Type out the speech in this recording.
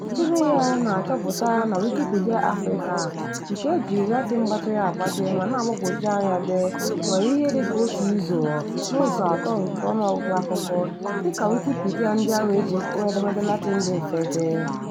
Ntule ya na-achọpụta na Wikipedia Afrịka "nke e jiri Latin gbatịrị agbatị ma na-agbagwoju anya dee nwere ihe dịka otu ụzọ n'ụzọ atọ nke ọnụọgụgụ akụkọ" dịka Wikipedia ndị ahụ e ji mkpụrụedemede Latin dị mfe dee.